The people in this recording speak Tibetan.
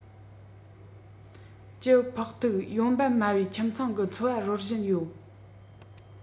གྱི ཕོག ཐུག ཡོང འབབ དམའ བའི ཁྱིམ ཚང གི འཚོ བ རོལ བཞིན ཡོད